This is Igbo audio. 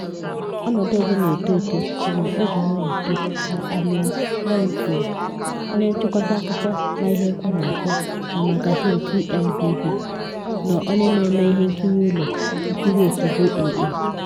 "Ọnọdụ ọzọ na-eto eto, mana o ji nwayọ eto," ka Amine Nawny kwuru, onye nchịkọta akụkọ ma ihe ekwe na-akụ na magazin TLBB na onye na-eme ihe nkiri ụlọ nkiri otu JAA.